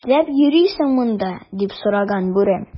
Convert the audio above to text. "нишләп йөрисең монда,” - дип сораган бүре.